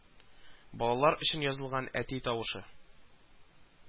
Балалар өчен язылган Әти тавышы